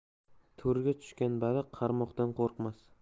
to'rga tushgan baliq qarmoqdan qo'rqmas